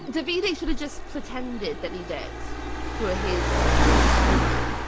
Davide should have just pretended that he did for his woman.